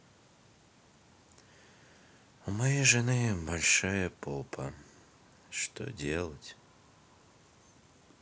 у моей жены большая попа что делать